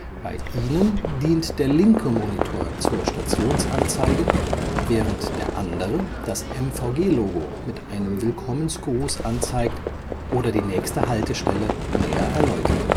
Bei ihnen dient der linke Monitor zur Stationsanzeige, während der andere das MVG-Logo mit einem Willkommensgruß anzeigt oder die nächste Haltestelle näher erläutert